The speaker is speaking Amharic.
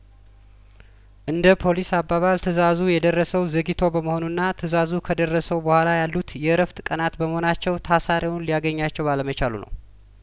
እንደ ፖሊስ አባባል ትዛዙ የደረሰው ዘግይቶ በመሆኑና ትዛዙ ከደረሰው በኋላ ያሉት የእረፍት ቀናት በመሆናቸው ታሳሪውን ሊያገኛቸው ባለመቻሉ ነው